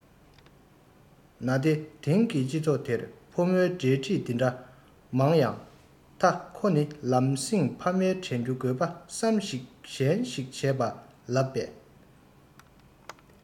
ན ཏེ དེང གི སྤྱི ཚོགས དེར ཕོ མོའི འབྲེལ འདྲིས འདི འདྲ མང ཡང མཐའ ཁོ ནི ལམ སེང ཨ ཕའི དྲན རྒྱུ དགོས པ བསམ གཞིག གཞན ཞིག བྱས ན ལབ པས